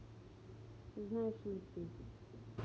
знаешь ли ты